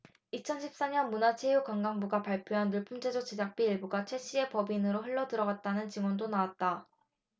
이천 십 사 년 문화체육관광부가 발표한 늘품체조 제작비 일부가 최씨의 법인으로 흘러들어 갔다는 증언도 나왔다